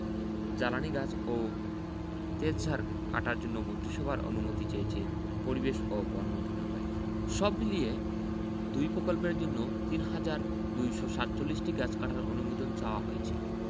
জ্বালানি গাছ ও তেজঝাড় কাটার জন্য মন্ত্রিসভার অনুমতি চেয়েছে পরিবেশ ও বন মন্ত্রণালয় সবমিলিয়ে দুই প্রকল্পের জন্য ৩হাজার ২৪৭টি গাছ কাটার অনুমতি চাওয়া হয়েছে